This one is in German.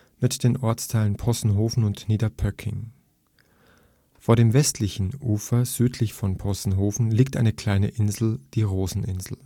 mit den Ortsteilen Possenhofen und Niederpöcking Vor dem westlichen Ufer, südlich von Possenhofen liegt eine kleine Insel, die Roseninsel